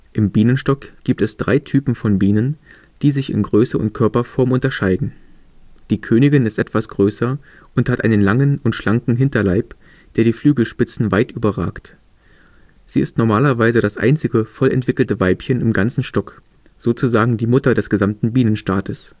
Im Bienenstock gibt es drei Typen von Bienen, die sich in Größe und Körperform unterscheiden. Die Königin ist etwas größer und hat einen langen und schlanken Hinterleib, der die Flügelspitzen weit überragt. Sie ist normalerweise das einzige voll entwickelte Weibchen im ganzen Stock, sozusagen die Mutter des gesamten Bienenstaates